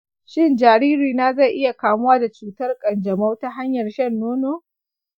shin jaririna zai iya kamuwa da cutar kanjamau ta hanyar shan nono?